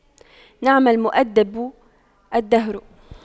نعم المؤَدِّبُ الدهر